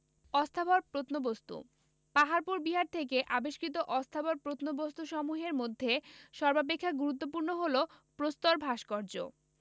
অস্থাবর প্রত্নবস্তু: পাহাড়পুর বিহার থেকে আবিষ্কৃত অস্থাবর প্রত্নবস্তুসমূহের মধ্যে সর্বাপেক্ষা গুরত্বপূর্ণ হল প্রস্তর ভাস্কর্য